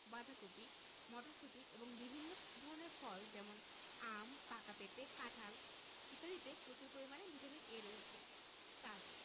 বাঁধাকপি মটরশুঁটি এবং বিভিন্ন ধরনের ফল যেমন আম পাকা পেঁপে কাঁঠাল ইত্যাদিতে প্রচুর পরিমানে ভিটামিন A রয়েছে কাজ